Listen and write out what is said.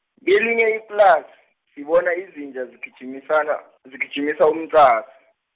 kelinye iplasi, sibona izinja zigijimisana, zigijimisa umqaka.